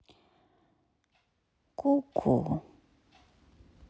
ку ку